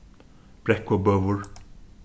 brekkubøur